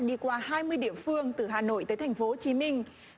đi qua hai mươi địa phương từ hà nội tới thành phố chí minh